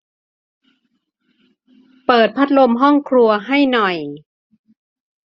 เปิดพัดลมห้องครัวให้หน่อย